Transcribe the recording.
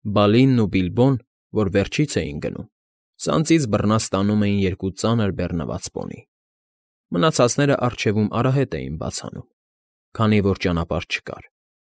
Բալինն ու Բիլբոն, որ վերջից էին գնում, սանձին բռնած տանում էին երկու ծանր բեռնված պոնի, մնացածները առջևում արահետ էին բաց անում, քանի որ ճանապարհ չկար։